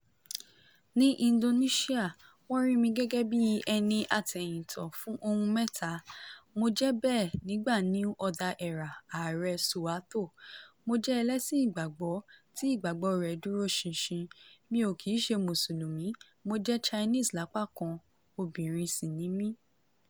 Ní indonesia, wọ́n rí mí gẹ́gẹ́ bí ẹni atẹyìntọ̀ fún ohun mẹ́ta – mo jẹ́ bẹ́ẹ̀ nígbà New Order era Aàrẹ Suharto: Mo jẹ́ ẹlẹ́sin ìgbàgbọ́ tí ìgbàgbọ́ rẹ̀ dúró ṣinṣin, mi ò kìí ṣe Mùsùlùmí, Mo jẹ́ Chinese lápá kan, obìnrin sì ni mí.